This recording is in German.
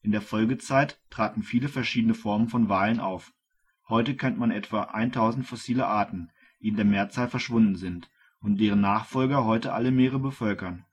der Folgezeit traten viele verschiedene Formen von Walen auf. Heute kennt man etwa 1.000 fossile Arten, die in der Mehrzahl verschwunden sind und deren Nachfolger heute alle Meere bevölkern